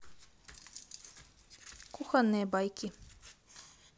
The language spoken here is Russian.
кухонные байки